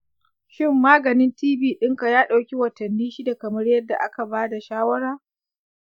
shin maganin tb ɗinka ya ɗauki watanni shida kamar yadda aka ba da shawara?